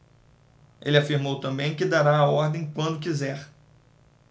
ele afirmou também que dará a ordem quando quiser